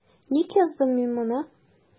Ник яздым мин моны?